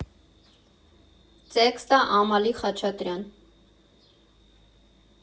Տեքստը՝ Ամալի Խաչատրյան։